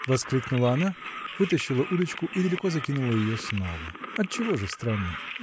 -- воскликнула она, вытащила удочку и далеко закинула ее снова. -- Отчего же странный?